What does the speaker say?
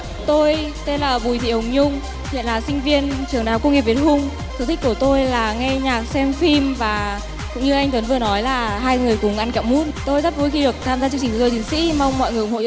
tôi tên là bùi thị hồng nhung hiện là sinh viên trường đại học công nghiệp việt hung sở thích của tôi là nghe nhạc xem phim và cũng như anh tuấn vừa nói là hai người cùng ăn kẹo mút tôi rất vui khi được tham gia chương trình chúng tôi là chiến sĩ mong mọi người ủng hộ